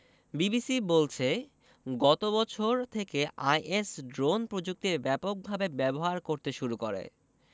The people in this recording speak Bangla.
বিবিসির বলছে গত বছর থেকে আইএস ড্রোন প্রযুক্তি ব্যাপকভাবে ব্যবহার করতে শুরু করে